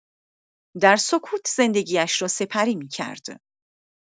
در سکوت زندگی‌اش را سپری می‌کرد.